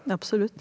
absolutt.